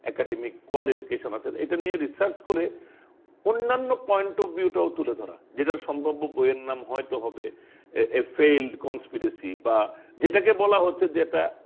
একাডেমীক qualification আছে এটা নিয়ে রিসার্চ করে অন্যান্য পয়েন্ট অফ ভিউ টা ও তুলে ধরা যেটা সম্ভাব্য বইয়ের নাম হয়তো হবে এ ফেইল্ড কন্সপিরেসি বা যেটাকে বলা হচ্ছে যে এটা